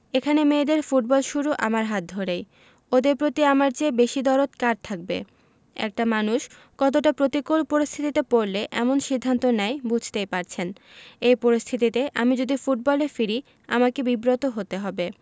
এখানে মেয়েদের ফুটবল শুরু আমার হাত ধরেই ওদের প্রতি আমার চেয়ে বেশি দরদ কার থাকবে একটা মানুষ কতটা প্রতিকূল পরিস্থিতিতে পড়লে এমন সিদ্ধান্ত নেয় বুঝতেই পারছেন এই পরিস্থিতিতে আমি যদি ফুটবলে ফিরি আমাকে বিব্রত হতে হবে